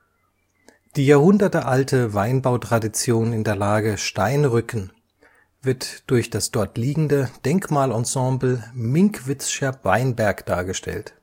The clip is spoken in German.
Die jahrhundertealte Weinbautradition in der Lage Steinrücken wird durch das dort liegende Denkmalensemble Minckwitzscher Weinberg dargestellt